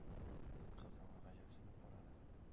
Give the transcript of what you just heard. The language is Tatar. Кыз аңа гаҗәпсенеп карады.